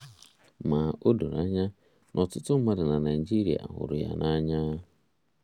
Ma, o doro anya na ọtụtụ mmadụ na Naịjirịa hụrụ ya n'anya.